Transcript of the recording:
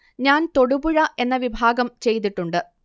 ഞാൻ തൊടുപുഴ എന്ന വിഭാഗം ചെയ്തിട്ടുണ്ട്